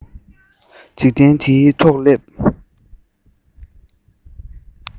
འཇིག རྟེན འདིའི ཐོག སླེབས